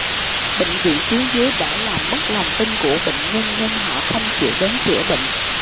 bệnh viện tuyến dưới đã làm mất lòng tin của bệnh nhân nên họ không chịu đến chữa bệnh